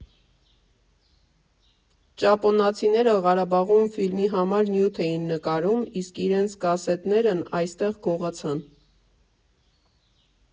Ճապոնացիները Ղարաբաղում ֆիլմի համար նյութ էին նկարում, իսկ իրենց կասետներն այստեղ գողացան։